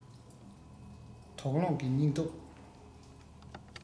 དོགས སློང གི སྙིང སྟོབས